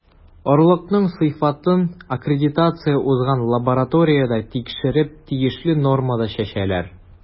Орлыкның сыйфатын аккредитация узган лабораториядә тикшертеп, тиешле нормада чәчәләр.